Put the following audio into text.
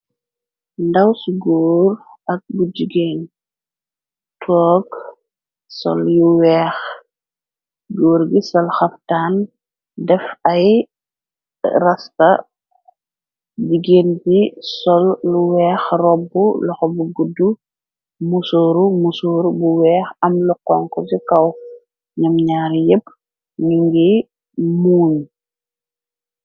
ndawci góor ak bu jigeen toog sol yu weex góor gi sol xabtaan def ay rasta jigéen gi sol lu weex robb loxo bu gudd musooru musoor bu weex am loxonko ci kaw nam ñaar yépp ni ngi muuñ